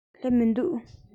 སླེབས མི འདུག